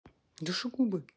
душегубы